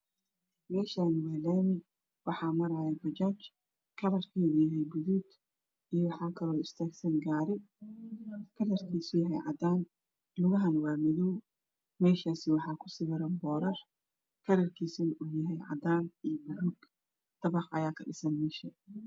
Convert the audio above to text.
Meeshaani waa laami waxa maraayo bajaaj kalarkeedu yahay guduud waxaa kaloo agtaagaan gaari kaalarkiisu yahay cadaan lugahana waa madow meeshaasi waxaa ku sawiran boorar kalarkiisana uu yahay cadaan iyo guduud dabaq ayaa ka dhisan meesha